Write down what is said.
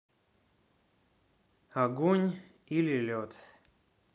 огонь или лед